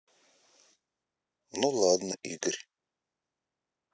ну ладно игорь